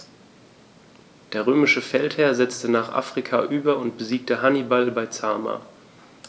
Der römische Feldherr setzte nach Afrika über und besiegte Hannibal bei Zama.